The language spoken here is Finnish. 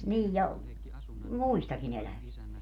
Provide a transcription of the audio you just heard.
niin ja muistakin elävistä